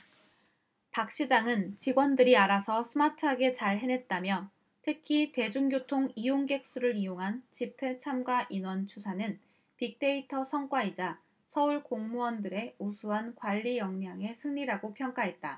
박 시장은 직원들이 알아서 스마트하게 잘 해냈다며 특히 대중교통 이용객 수를 이용한 집회 참가 인원 추산은 빅데이터 성과이자 서울 공무원들의 우수한 관리역량의 승리라고 평가했다